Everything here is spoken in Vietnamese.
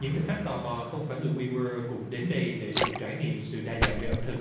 những thực khách tò mò không phải người quy quơ cũng đến đây để được trải nghiệm sự đa dạng về ẩm thực